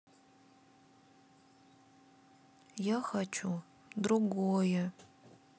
я хочу другое